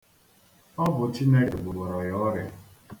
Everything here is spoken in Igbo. Ọ bụ Chineke gwọrọ ya ọrịa.